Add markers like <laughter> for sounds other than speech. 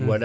<hesitation> <hesitation>